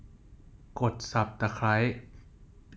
กดสับตะไคร้